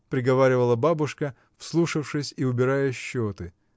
— приговаривала бабушка, вслушавшись и убирая счеты.